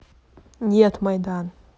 нет майдан